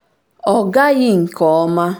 Ọ Gaghị Nke Ọma